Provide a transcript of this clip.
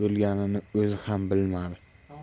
bo'lganini o'zi ham bilmadi